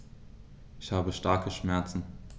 Ich habe starke Schmerzen.